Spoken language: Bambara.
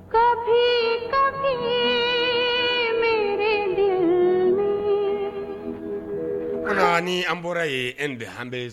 Ka ka bɛ kalan ni an bɔra ye e bɛn an bɛ ye